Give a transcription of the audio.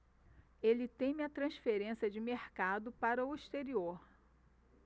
ele teme a transferência de mercado para o exterior